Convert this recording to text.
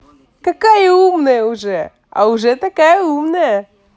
какая умная уже а уже такая умная